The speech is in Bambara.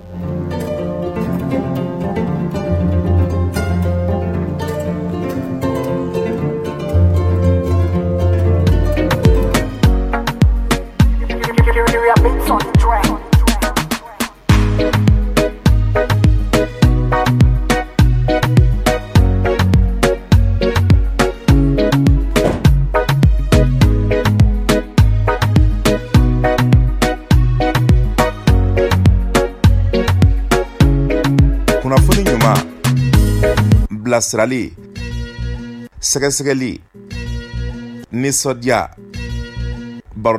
Kunnafoni ɲuman bilasirali sɛgɛsɛgɛli nisɔn nisɔndiya